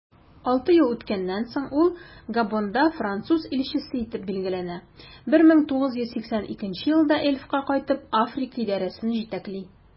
Алты ел үткәннән соң, ул Габонда француз илчесе итеп билгеләнә, 1982 елда Elf'ка кайтып, Африка идарәсен җитәкли.